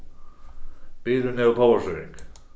bilurin hevur powerstýring